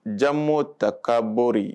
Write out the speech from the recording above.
Jamumo ta ka bɔri